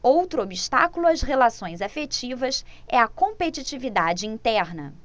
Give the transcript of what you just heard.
outro obstáculo às relações afetivas é a competitividade interna